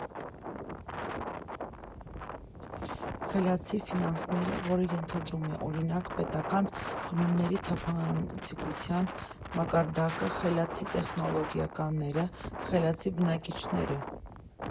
«Խելացի» ֆինանսները, որը ենթադրում է, օրինակ, պետական գնումների թափանցիկության մակարդակը, «խելացի» տեխնոլոգիաները, «խելացի» բնակիչները։